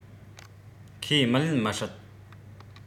ཁས མི ལེན མི སྲིད